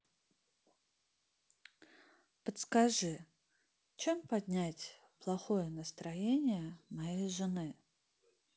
подскажи чем поднять плохое настроение моей жены